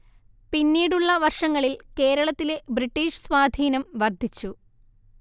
പിന്നീടുള്ള വർഷങ്ങളിൽ കേരളത്തിലെ ബ്രിട്ടീഷ് സ്വാധീനം വർദ്ധിച്ചു